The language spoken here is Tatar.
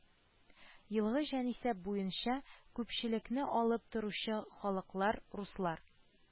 Елгы җан исәп буенча күпчелекне алып торучы халыклар руслар